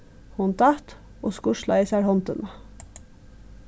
hon datt og skurslaði sær hondina